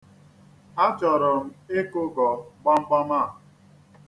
A chọrọ m ịkụgọ gbamgbam a.